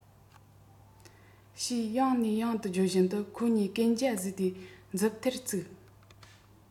ཞེས ཡང ནས ཡང དུ བརྗོད བཞིན དུ ཁོ གཉིས གན རྒྱ བཟོས ཏེ མཛུབ ཐེལ བཙུགས